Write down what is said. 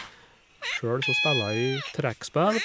Sjøl så spiller jeg trekkspill.